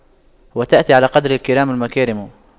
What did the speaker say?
وتأتي على قدر الكرام المكارم